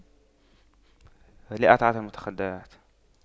لا أتعاطى المتخدرات